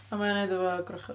Be mae o i wneud efo gwrachod?